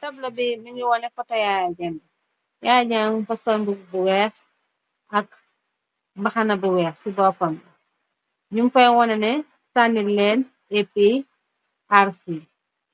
tabla bi miñu wone poto yaaya jambi yaaya jammum fa sambug bu weex ak mbaxana bu weex ci boppam bi ñum fay wona ne sànnil leen ap r s